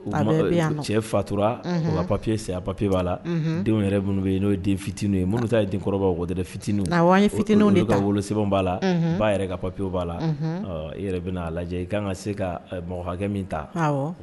Cɛ fatura papiye se papiye b'a la denw yɛrɛu yen n'o den fitininu ye minnuta ye den kɔrɔbaww yɛrɛ fitininw fitininw ka wolo sɛbɛn'a la ba yɛrɛ ka papiye b'a la yɛrɛ bɛ'a lajɛ i kan ka se ka mɔgɔ hakɛkɛ min ta